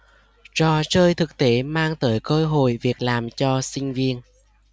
trò chơi thực tế mang tới cơ hội việc làm cho sinh viên